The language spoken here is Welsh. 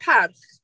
Parch.